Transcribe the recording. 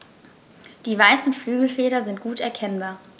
Die weißen Flügelfelder sind gut erkennbar.